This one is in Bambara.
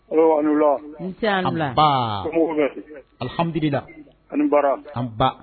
a' ni wula nsee a' ni wula anbaa somɔgɔw be di alhamdulila a' ni baara anba